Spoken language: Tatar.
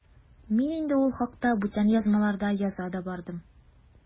Мин инде ул хакта бүтән язмаларда яза да бардым.